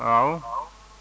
waaw